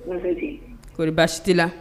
Kɔni baasi t'i la?